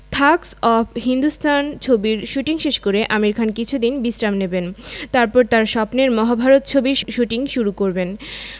Thugs of Hindostan ছবির shooting শেষ করে আমির খান কিছুদিন বিশ্রাম নেবেন তারপর তাঁর স্বপ্নের মহাভারত ছবির শুটিং শুরু করবেন